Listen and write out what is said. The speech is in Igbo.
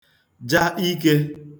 ja ikē